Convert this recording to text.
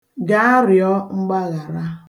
Gaa rịọ mgbaghara.